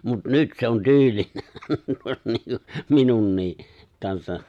mutta nyt se on tyylinä minunkin kanssa